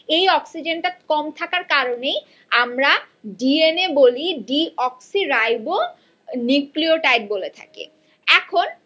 এই অক্সিজেন টা কম থাকার কারণে আমরা ডিএনএ বলি ডিঅক্সিরাইবো নিউক্লিওটাইড বলে থাকি এখন